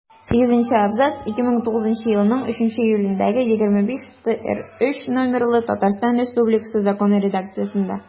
Сигезенче абзац 2009 елның 3 июлендәге 25-ТРЗ номерлы Татарстан Республикасы Законы редакциясендә.